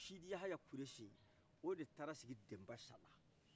sidiyahaya kuresi o de taara sigi dɛnbasara